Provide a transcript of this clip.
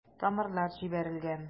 Тамырлар җибәрелгән.